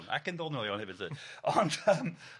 Ac yn hefyd '''y. Ond yym